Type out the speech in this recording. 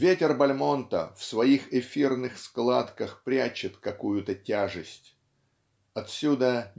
Ветер Бальмонта в своих эфирных складках прячет какую-то тяжесть. Отсюда